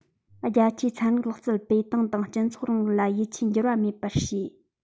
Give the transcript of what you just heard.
རྒྱ ཆེའི ཚན རིག ལག རྩལ པས ཏང དང སྤྱི ཚོགས རིང ལུགས ལ ཡིད ཆེས འགྱུར བ མེད པར བྱས